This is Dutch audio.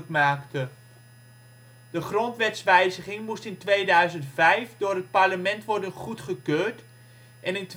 maakte. De grondwetswijziging moet in 2005 door het parlement worden goedgekeurd en in